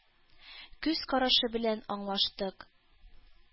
Күз карашы белән аңлаштык.